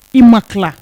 I ma tila